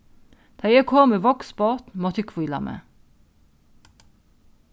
tá ið eg kom í vágsbotn mátti eg hvíla meg